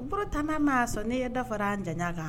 U buru tan' ma sɔn n' ye dafa farara an janɲa kan